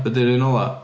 Be 'di'r un ola?